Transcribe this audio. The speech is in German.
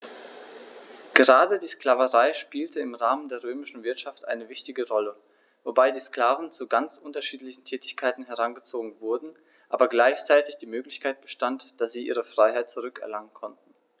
Gerade die Sklaverei spielte im Rahmen der römischen Wirtschaft eine wichtige Rolle, wobei die Sklaven zu ganz unterschiedlichen Tätigkeiten herangezogen wurden, aber gleichzeitig die Möglichkeit bestand, dass sie ihre Freiheit zurück erlangen konnten.